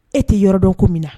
E tɛ yɔrɔ dɔn ko min na